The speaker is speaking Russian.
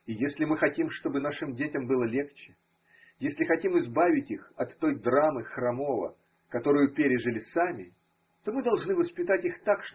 И если мы хотим, чтобы нашим детям было легче, если хотим избавить их от той драмы хромого, которую пережили сами, то мы должны воспитать их так.